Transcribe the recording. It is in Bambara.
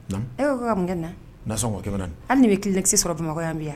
E' ka kunkɛ na nakɛ na hali bɛ kisi sɔrɔ bamakɔ yan bi yan